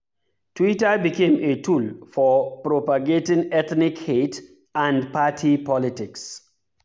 Twitter became a tool for propagating ethnic hate and party politics.